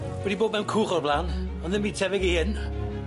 Wedi bod mewn cwch o'r bla'n, on' ddim byd tebyg i 'yn.